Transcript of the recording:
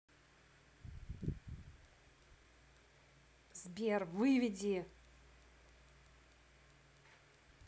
сбер выведи